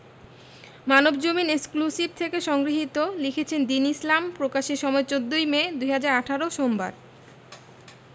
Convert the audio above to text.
Manabzamin exclusive হতে সংগৃহীত লিখেছেনঃ দীন ইসলাম প্রকাশের সময় ১৪ মে ২০১৮ সোমবার